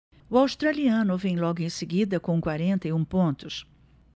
o australiano vem logo em seguida com quarenta e um pontos